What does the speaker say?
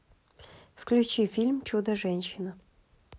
включи фильм чудо женщина